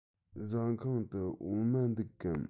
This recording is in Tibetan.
ཟ ཁང དུ འོ མ འདུག གམ